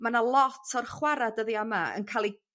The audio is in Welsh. ma' 'na lot o'r chwara dyddia 'ma yn ca'l 'i